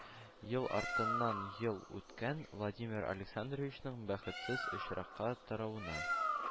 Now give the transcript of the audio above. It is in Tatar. Ел артыннан ел үткән, Владимир Александровичның бәхетсез очракка таруына